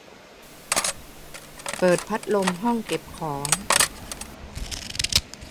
เปิดพัดลมห้องเก็บของ